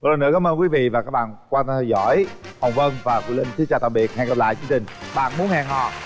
một lần nữa cám ơn quý vị và các bạn qua theo dõi hồng vân và quyền linh chào tạm biệt hẹn gặp lại chương trình bạn muốn hẹn hò